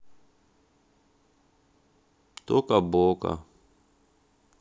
тока бока